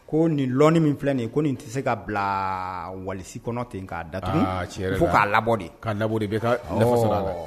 Ko ninɔni min filɛ nin ye ko nin tɛ se ka bila walisi kɔnɔ ten yen k'a da ko k'a labɔ de kaa labɔ de bɛ la